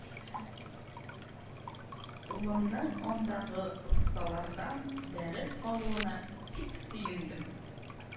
Улымның андагы осталардан дәрес алуына бик сөендем